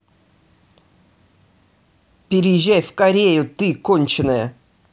переезжай в корею ты конченная